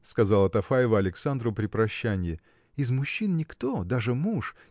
– сказала Тафаева Александру при прощанье. – Из мужчин никто даже муж